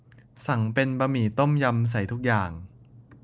สั่งเป็นบะหมี่ต้มยำใส่ทุกอย่าง